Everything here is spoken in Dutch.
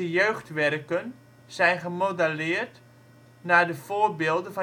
jeugdwerken zijn gemodelleerd naar de voorbeelden